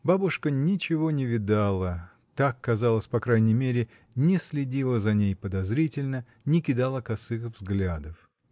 Бабушка ничего не видала: так казалось по крайней мере, не следила за ней подозрительно, не кидала косых взглядов.